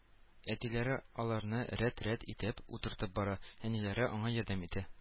Әтиләре аларны рәт-рәт итеп утыртып бара, әниләре аңа ярдәм итә